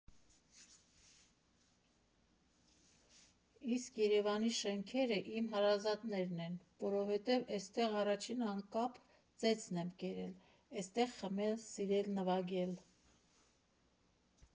Իսկ Երևանի շենքերը իմ հարազատներն են, որովհետև էստեղ առաջին անկապ ծեծն եմ կերել, էստեղ՝ խմել, սիրել, նվագել։